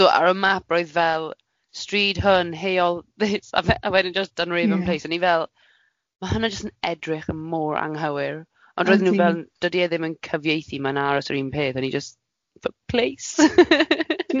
So ar y map roedd fel stryd hwn, heol this, a fe- a wedyn jyst Dunraven Place... ie. ...a o'n i fel ma' hwnna jyst yn edrych yn mor anghywir. Ond roedden nhw fel dydi e ddim yn cyfieithu mae'n aros i'r un peth, a o'n i jyst but place.